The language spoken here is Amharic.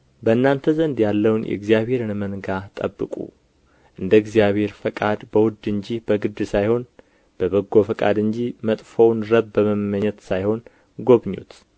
በእናንተ ዘንድ ያለውን የእግዚአብሔርን መንጋ ጠብቁ እንደ እግዚአብሔር ፈቃድ በውድ እንጂ በግድ ሳይሆን በበጎ ፈቃድ እንጂ መጥፎውን ረብ በመመኘት ሳይሆን ጐብኙት